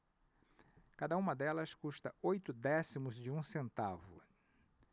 cada uma delas custa oito décimos de um centavo